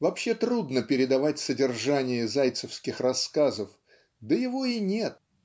Вообще, трудно передавать содержание зайцевских рассказов, да его и нет